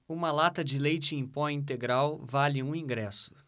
uma lata de leite em pó integral vale um ingresso